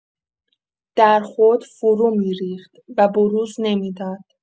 در خود فرو می‌ریخت و بروز نمی‌داد.